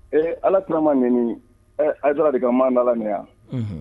Ee Alakira ma nɛni ee Ayidara de ka man dalaminɛ an? Unhun.